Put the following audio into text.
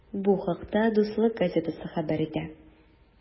Бу хакта “Дуслык” газетасы хәбәр итә.